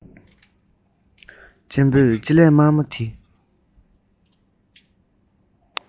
གཅེན པོས ལྕེ ལེབ དམར པོ དེས